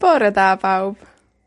Bore 'da bawb.